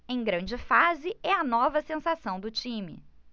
em grande fase é a nova sensação do time